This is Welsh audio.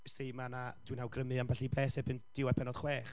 Wsdi, ma' 'na, dwi'n awgrymu ambell i beth erbyn diwedd pennod chwech.